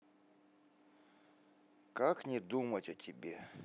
как не думать о тебе